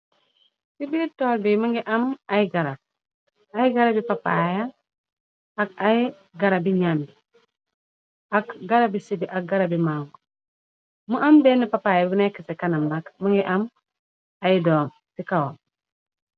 Ci biri toll bi më ngi am ay garab ay gara bi papaaya ak ay gara bi ñambi. Ak gara bi sidi ak gara bi mbangu. Mu am benn papaay bu nekk ci kanam nag. Më ngi am ay doom bi kawam.